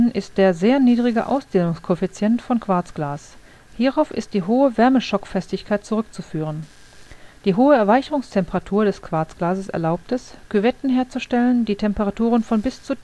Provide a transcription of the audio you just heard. ist der sehr niedrige Ausdehnungskoeffizient von Quarzglas. Hierauf ist die hohe Wärmeschockfestigkeit zurückzuführen. Die hohe Erweichungstemperatur des Quarzglases erlaubt es, Küvetten herzustellen, die Temperaturen von bis zu